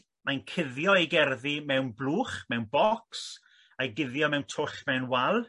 cuddio ei gerddi mewn blwch mewn bocs a'i guddio mewn twll mewn wal